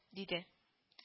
– диде